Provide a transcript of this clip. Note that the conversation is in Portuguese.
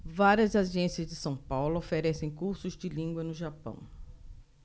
várias agências de são paulo oferecem cursos de língua no japão